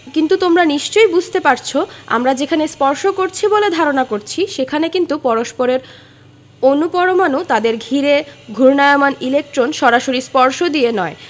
কিন্তু তোমরা নিশ্চয়ই বুঝতে পারছ আমরা যেখানে স্পর্শ করছি বলে ধারণা করছি সেখানে কিন্তু পরস্পরের অণু পরমাণু তাদের ঘিরে ঘূর্ণায়মান ইলেকট্রন সরাসরি স্পর্শ দিয়ে নয়